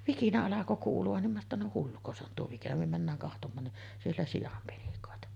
vikinä alkoi kuulua niin minä että no hulluko se on tuo vai mikä niin mennään katsomaan niin siellä sian penikoita